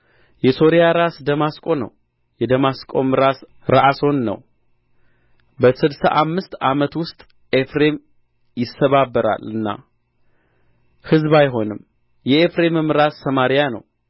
የሶርያ ራስ ደማስቆ ነው የደማስቆም ራስ ረአሶን ነው በስድሳ አምስት ዓመት ውስጥ ኤፍሬም ይሰባበራልና ሕዝብ አይሆንም የኤፍሬምም ራስ ሰማርያ ነው